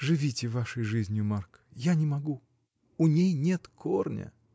— Живите вашей жизнью, Марк, — я не могу. у ней нет корня.